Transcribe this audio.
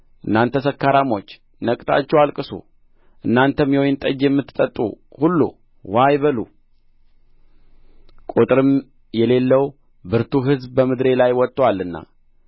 እናንተ ሰካራሞች ነቅታችሁ አልቅሱ እናንተም የወይን ጠጅ የምትጠጡ ሁሉ ዋይ በሉ ቍጥርም የሌለው ብርቱ ሕዝብ በምድሬ ላይ ወጥቶአልና